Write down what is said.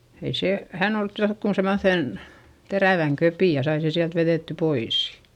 ei se hän oli ottanut jonkun semmoisen terävän kepin ja sai sen sieltä vedettyä pois